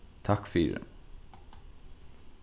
takk fyri